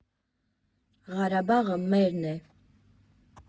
Ղարաբաղը մերն է։